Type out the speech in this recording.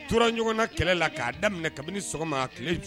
Tora ɲɔgɔnna kɛlɛ la k'a daminɛ kabini sɔgɔma tile